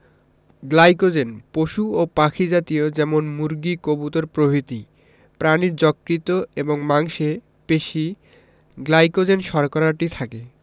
glycogen পশু ও পাখি জাতীয় যেমন মুরগি কবুতর প্রভৃতি প্রাণীর যকৃৎ এবং মাংসে পেশি গ্লাইকোজেন শর্করাটি থাকে